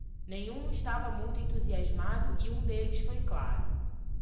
nenhum estava muito entusiasmado e um deles foi claro